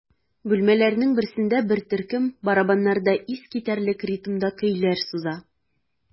Бүлмәләрнең берсендә бер төркем барабаннарда искитәрлек ритмда көйләр суза.